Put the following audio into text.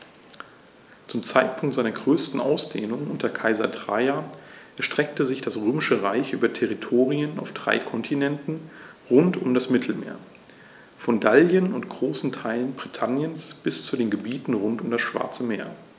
Zum Zeitpunkt seiner größten Ausdehnung unter Kaiser Trajan erstreckte sich das Römische Reich über Territorien auf drei Kontinenten rund um das Mittelmeer: Von Gallien und großen Teilen Britanniens bis zu den Gebieten rund um das Schwarze Meer.